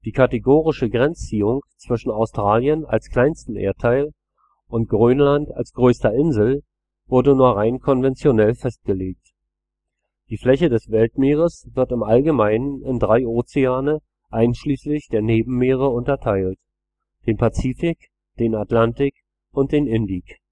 kategorische Grenzziehung zwischen Australien als kleinstem Erdteil und Grönland als größter Insel wurde nur rein konventionell festgelegt. Die Fläche des Weltmeeres wird im Allgemeinen in drei Ozeane einschließlich der Nebenmeere unterteilt: den Pazifik, den Atlantik und den Indik